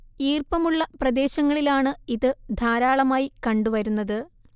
ഈർപ്പമുള്ള പ്രദേശങ്ങളിലാണ് ഇത് ധാരാളമായി കണ്ടുവരുന്നത്